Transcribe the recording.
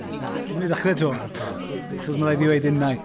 Na, dwi'n mynd i ddechrau 'to. achos mae'n rhaid i fi ddweud innau.